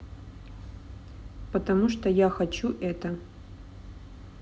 потому что я хочу это